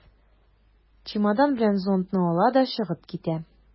Чемодан белән зонтны ала да чыгып китә.